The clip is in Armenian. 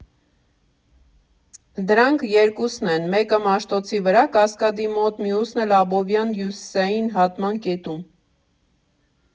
Դրանք երկուսն են, մեկը՝ Մաշտոցի վրա՝ Կասկադի մոտ, մյուսն էլ՝ Աբովյան֊Հյուսիսային հատման կետում։